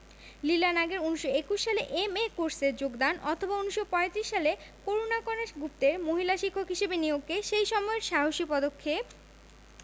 লীলা নাগের ১৯২১ সালে এম.এ কোর্সে যোগদান অথবা ১৯৩৫ সালে করুণাকণা গুপ্তের মহিলা শিক্ষক হিসেবে নিয়োগকে সেই সময়ে সাহসী পদক্ষেপ